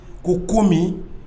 Ko ko min